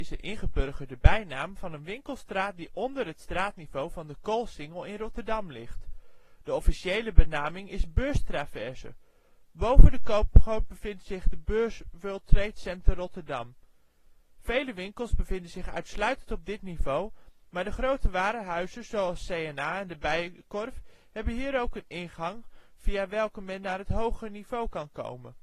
ingeburgerde bijnaam van een winkelstraat die onder het straatniveau van de Coolsingel in Rotterdam ligt. De officiële benaming is Beurstraverse. Boven de Koopgoot bevindt zich het Beurs World Trade Center Rotterdam. Vele winkels bevinden zich uitsluitend op dit niveau, maar de grote warenhuizen zoals C&A en de Bijenkorf hebben hier ook een ingang via welke men naar het hogere niveau kan komen